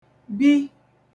bi